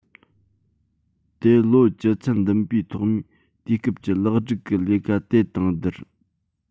དེ ལོ བཅུ ཚན བདུན པའི ཐོག མའི དུས སྐབས ཀྱི ལེགས སྒྲིག གི ལས ཀ དེ དང བསྡུར